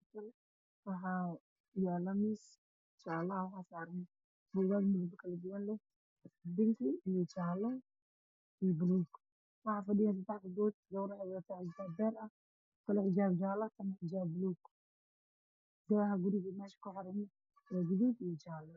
Meeshaan waxaa yaalo miis jaale ah waxaa saaran buugaag kale duwan sida bingi, jaale, buluug, waxaa fadhiyo seddex gabdhood gabar waxay wadataa xijaab beer ah, midna xijaab jaale ah, midna xijaab buluug, daaha meesha kuxiran waa gaduud iyo jaale.